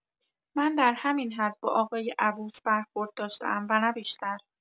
من در همین حد با آقای عبوس برخورد داشته‌ام و نه بیشتر.